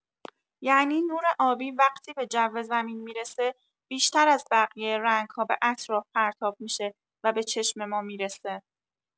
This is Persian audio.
یعنی نور آبی وقتی به جو زمین می‌رسه، بیشتر از بقیه رنگ‌ها به اطراف پرتاب می‌شه و به چشم ما می‌رسه.